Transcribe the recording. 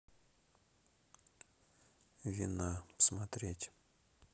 вина смотреть